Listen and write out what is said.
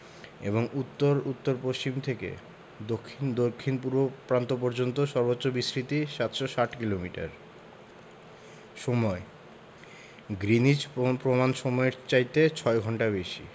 এবং উত্তর উত্তর পশ্চিম থেকে দক্ষিণ দক্ষিণপূর্ব প্রান্ত পর্যন্ত সর্বোচ্চ বিস্তৃতি ৭৬০ কিলোমিটার সময়ঃ গ্রীনিচ প্রমাণ সময়ের চাইতে ৬ ঘন্টা বেশি